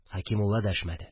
Хәкимулла дәшмәде